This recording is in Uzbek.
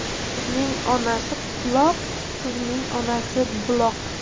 so'zning onasi quloq suvning onasi buloq